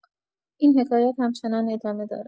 این حکایت هم‌چنان ادامه دارد.